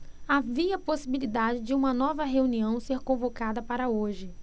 havia possibilidade de uma nova reunião ser convocada para hoje